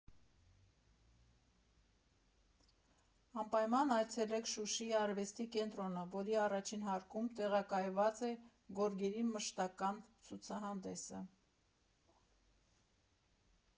Անպայման այցելեք Շուշիի արվեստի կենտրոնը, որի առաջին հարկում տեղակայված է գորգերի մշտական ցուցահանդեսը։